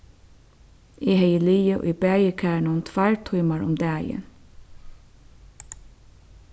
eg hevði ligið í baðikarinum tveir tímar um dagin